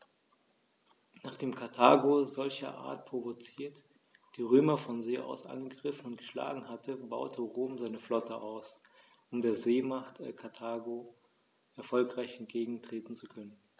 Nachdem Karthago, solcherart provoziert, die Römer von See aus angegriffen und geschlagen hatte, baute Rom seine Flotte aus, um der Seemacht Karthago erfolgreich entgegentreten zu können.